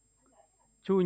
chu